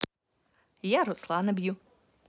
я руслана бью